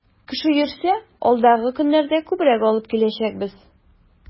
Кеше йөрсә, алдагы көннәрдә күбрәк алып киләчәкбез.